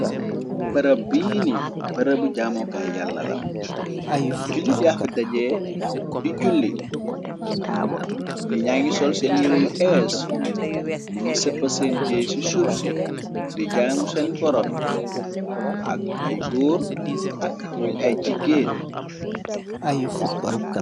Barab bii ni barabu jaamookaay yàlla la julli yafe dajee di julli neet nya ngi sol seen yireyu ees ni ngi sëppa seen jee ci suufsi di jaamu sen borom ak ay góor ak itmil ay jiggéen.